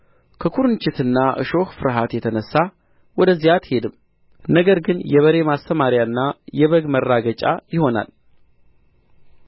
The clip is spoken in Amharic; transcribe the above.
ከኵርንችትና እሾህ ፍርሃት የተነሣ ወደዚያ አትሄድም ነገር ግን የበሬ ማሰማርያና የበግ መራገጫ ይሆናል